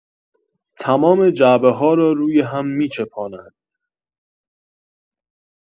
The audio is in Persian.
تمام جعبه‌ها را روی‌هم می‌چپاند